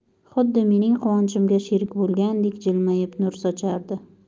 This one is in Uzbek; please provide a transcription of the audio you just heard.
xuddi mening quvonchimga sherik bo'lgandek jilmayib nur sochardi